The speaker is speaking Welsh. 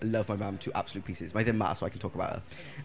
Love my mam to absolute pieces. Mae ddim 'ma so I can talk about her.